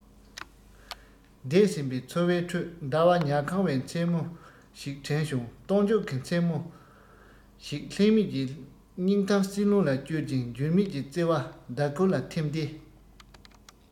འདས ཟིན པའི འཚོ བའི ཁྲོད ཟླ བ ཉ གང བའི མཚན མོ ཞིག དྲན བྱུང སྟོན མཇུག གི མཚན མོ ཞིག ལྷད མེད ཀྱི སྙིང གཏམ བསིལ རླུང ལ བཅོལ ཅིང འགྱུར མེད ཀྱི བརྩེ བ ཟླ གུར ལ འཐིམས ཏེ